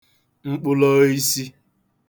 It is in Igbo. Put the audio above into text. mkpụloisi